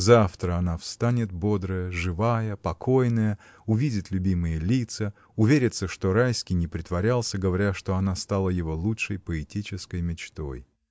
Завтра она встанет бодрая, живая, покойная, увидит любимые лица, уверится, что Райский не притворялся, говоря, что она стала его лучшей, поэтической мечтой.